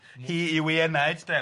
Hi yw ei enaid de...